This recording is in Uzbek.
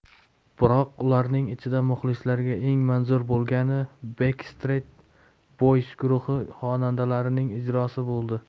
biroq ularning ichida muxlislarga eng manzur bo'lgani backstreet boys guruhi xonandalarining ijrosi bo'ldi